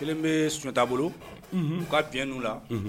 1 bee Sunjata bolo unhun u ka biɲɛ ninnu la unhun